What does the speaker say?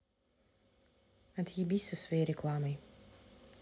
отъебись со своей рекламой